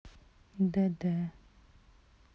д д